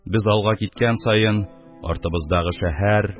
Без алга киткән саен, артыбыздагы шәһәр,